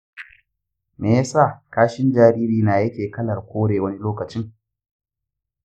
me ya sa kashin jaririna yake kalar kore wani lokacin?